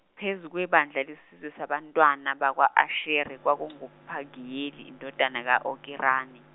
phezu kwebandla lesizwe sabantwana bakwa-Asheri kwakunguPagiyeli indodana ka-Okirani.